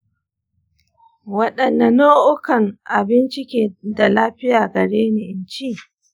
waɗanne nau'ukan abinci ke da lafiya gareni in ci?